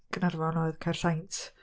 Caernarfon oedd Caersaint.